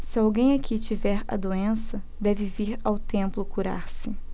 se alguém aqui tiver a doença deve vir ao templo curar-se